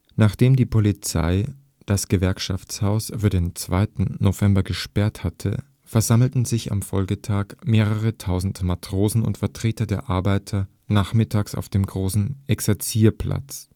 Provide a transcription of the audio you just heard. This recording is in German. Nachdem die Polizei das Gewerkschaftshaus für den 2. November gesperrt hatte, versammelten sich am Folgetag mehrere tausend Matrosen und Vertreter der Arbeiter nachmittags auf dem Großen Exerzierplatz